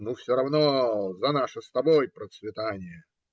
Ну, все равно: за наше с тобой процветание.